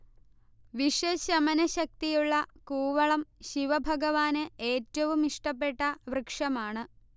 വിഷശമനശക്തിയുളള കൂവളം ശിവഭഗവാന് ഏറ്റവും ഇഷ്ടപ്പെട്ട വൃക്ഷമാണ്